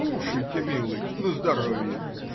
- Кушайте, милый, на здоровье.